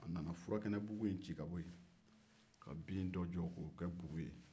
a nana furakɛnɛbugu ci ka bɔ yen ka binbugu dɔ jɔ o nɔ na